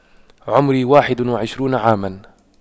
عمري واحد وعشرون عاما